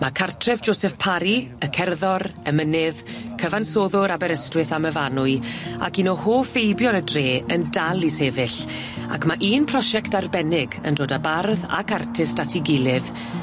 Ma' cartref Joseph Parry, y cerddor, emynydd cyfansoddwr Aberystwyth a Myfanwy ac un o hoff feibion y dre yn dal i sefyll ac ma' un prosiect arbennig yn dod â bardd ac artist at 'i gilydd